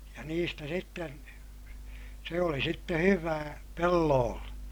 ja niistä sitten se oli sitten hyvää pelloille